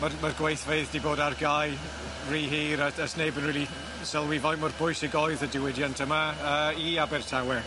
Ma'r ma'r gweithfeydd 'di bod ar gau ry hir a d- a sneb yn rili sylwi faint mor pwysig oedd y diwydiant yma yy i Abertawe.